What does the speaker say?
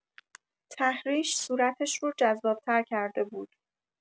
ته‌ریش صورتش رو جذاب‌تر کرده بود.